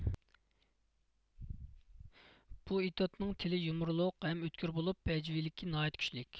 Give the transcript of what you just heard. بۇ ئېتوتنىڭ تىلى يۇمۇرلۇق ھەم ئۆتكۈر بولۇپ ھەجۋىيلىكى ناھايىتى كۈچلۈك